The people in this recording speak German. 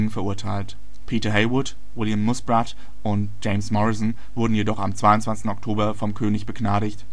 verurteilt; Peter Heywood, William Muspratt und James Morrison wurden jedoch am 22. Oktober vom König begnadigt